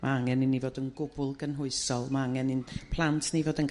Ma' angen i ni fod yn gwbl gynhwysol. Ma' angen i'n plant ni fod yn